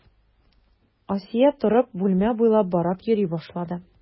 Асия торып, бүлмә буйлап карап йөри башлады.